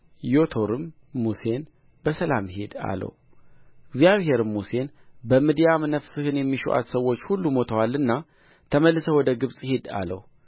ዮቶርም ሙሴን በሰላም ሂድ አለው እግዚአብሔርም ሙሴን በምድያም ነፍስህን የሚሹአት ሰዎች ሁሉ ሞተዋልና ተመልሰህ ወደ ግብፅ ሂድ አለው